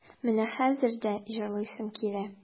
Менә хәзер дә җырлыйсым килә.